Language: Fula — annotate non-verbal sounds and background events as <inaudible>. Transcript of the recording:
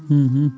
<hesitation> <hesitation>